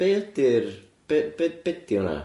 Be' ydi'r be' be' be' 'di hwnna?